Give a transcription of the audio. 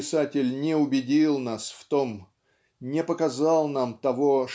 писатель не убедил нас в том не показал нам того